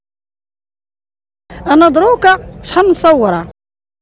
انا دروكه كم صوره